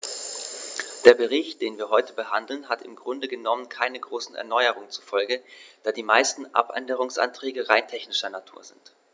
Der Bericht, den wir heute behandeln, hat im Grunde genommen keine großen Erneuerungen zur Folge, da die meisten Abänderungsanträge rein technischer Natur sind.